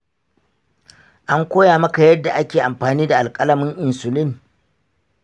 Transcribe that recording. an koya maka yadda ake amfani da alƙalamin insulin?